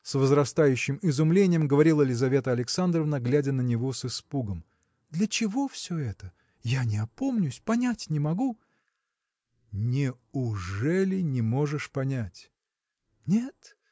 – с возрастающим изумлением говорила Лизавета Александровна глядя на него с испугом – для чего все это? Я не опомнюсь, понять не могу. – Не-уже-ли не можешь понять? – Нет!.